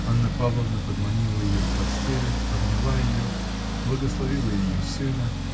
Анна Павловна подманила ее к постели, обняла ее, благословила ее сына